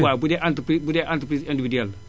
waaw bu dee entreprise bu dee entreprise individuelle